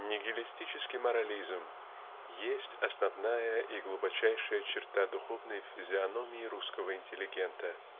Нигилистический морализм есть основная и глубочайшая черта духовной физиономии русского интеллигента